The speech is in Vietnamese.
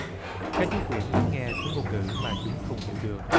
các chú khuyển lắng nghe thứ ngôn ngữ mà chúng không hiểu được